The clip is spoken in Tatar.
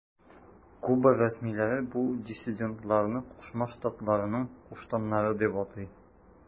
Куба рәсмиләре бу диссидентларны Кушма Штатларның куштаннары дип атый.